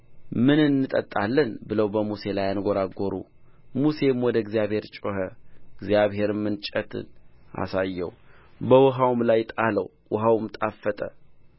ምን እንጠጣለን ብለው በሙሴ ላይ አንጐራጐሩ ሙሴም ወደ እግዚአብሔር ጮኸ እግዚአብሔርም እንጨትን አሳየው በውኃውም ላይ ጣለው ውኃውም ጣፈጠ